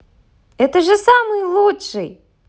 это же самый лучший